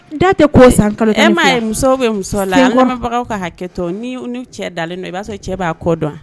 Da tɛ ko san kalo muso bɛ muso labagaw ka hakɛ nu cɛ dalenlen i b'a sɔrɔ cɛ b'a kɔ dɔn